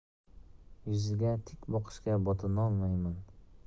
yuziga tik boqishga botinolmayman